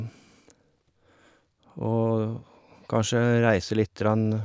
Og kanskje reise lite grann.